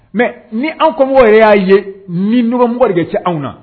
Mais ni anw kɔmɔgɔw yɛrɛ y'a ye min mɔgɔ de bɛ se anw na